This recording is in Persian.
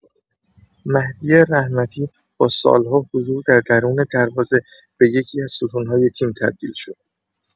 مهدی رحمتی با سال‌ها حضور در درون دروازه به یکی‌از ستون‌های تیم تبدیل شد.